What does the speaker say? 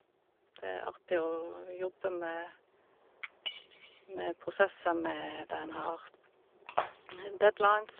Det er artig å jobbe med med prosesser med der en har deadlines.